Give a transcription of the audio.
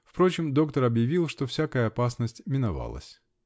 Впрочем, доктор объявил, что всякая опасность миновалась.